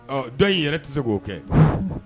Dɔ in yɛrɛ tɛ se k'o kɛ